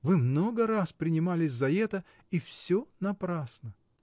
Вы много раз принимались за это, и всё напрасно.